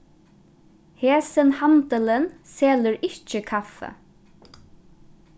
hesin handilin selur ikki kaffi